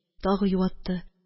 Тагы юатты